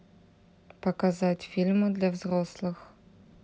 показать фильмы для взрослых